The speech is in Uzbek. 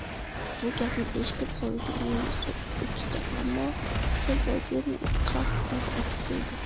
bu gapni eshitib xolidiyning yuzi uchdi ammo sir boy bermay qah qah otib kuldi